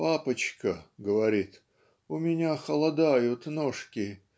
Папочка, - говорит, - у меня холодают ножки.